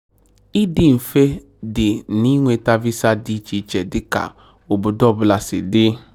idi mfe dị n'inweta visa dị icheiche dịka obodo ọbula si dị.